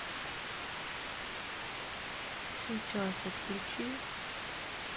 сейчас отключи